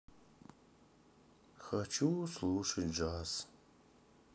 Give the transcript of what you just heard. хочу слушать джаз